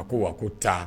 A ko wa ko taa